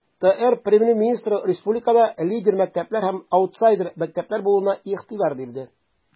ТР Премьер-министры республикада лидер мәктәпләр һәм аутсайдер мәктәпләр булуына игътибар бирде.